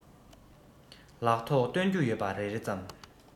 ལག ཐོག སྟོན རྒྱུ ཡོད པ རེ རེ ཙམ